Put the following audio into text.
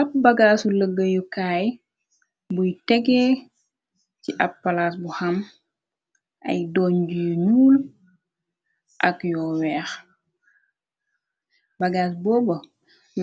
ab bagaasu lëggayukaay buy tegee ci ab palas bu xam ay don jyu ñuul ak yoo weex bagaas booba